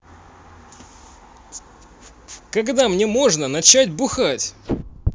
когда мне можно начать бухать